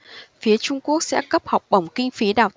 phía trung quốc sẽ cấp học bổng kinh phí đào